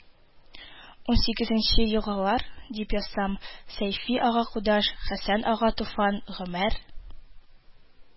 Унсигезенче елгылар», – дип язсам, сәйфи ага кудаш, хәсән ага туфан, гомәр